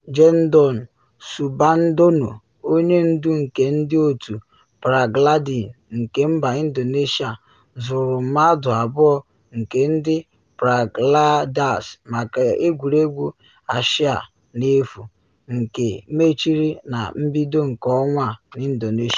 Gendon Subandono, onye ndu nke ndị otu paraglaịdịn nke mba Indonesia, zụrụ mmadụ abụọ nke ndị paraglaịdas maka Egwuregwu Asia na efu, nke mechiri na mbido nke ọnwa a na Indonesia.